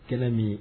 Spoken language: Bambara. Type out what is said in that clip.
Kɛlɛ min ye